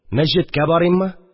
Мәчеткә барыйммы